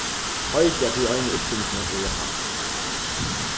heitið á tí einu yrkingini er japanskt